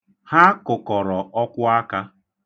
Ha kụkọrọ ọkwụaka.